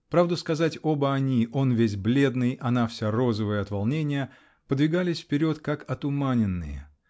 Правду сказать, оба они, он весь бледный, она вся розовая от волнения, подвигались вперед, как отуманенные.